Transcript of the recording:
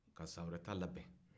ka san wɛrɛ ta labɛn